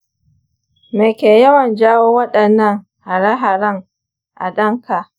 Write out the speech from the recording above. me ke yawan jawo waɗannan hare-haren a ɗanka?